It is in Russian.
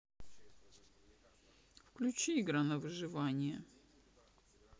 включи игра на выживание